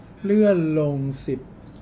เลื่อนลงสิบ